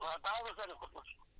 waaw bàyyil ma sori ko tuuti